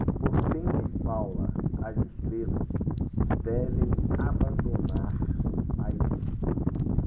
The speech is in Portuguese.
hortência e paula as estrelas devem abandonar a equipe